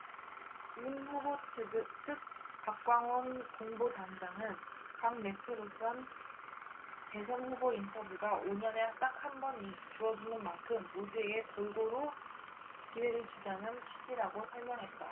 문 후보 측 박광온 공보단장은 각 매체로선 대선 후보 인터뷰가 오 년에 딱 한 번 주어지는 만큼 모두에게 골고루 기회를 주자는 취지라고 설명했다